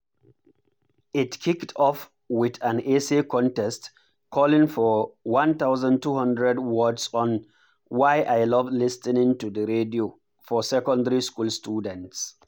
It kicked off with an essay contest calling for 1,200 words on "why I love listening to the radio" for secondary school students.